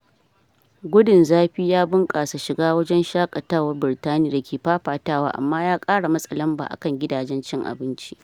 Gudun zafi ya bunkasa shiga wajen shakatawa Birtaniya da ke fafatawa amma ya kara matsa lamba a kan gidajen cin abinci.